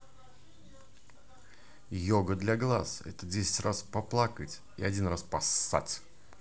включи приложение йога для глаз